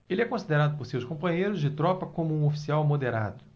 ele é considerado por seus companheiros de tropa como um oficial moderado